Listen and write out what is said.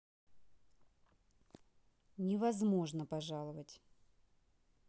невозможно пожаловать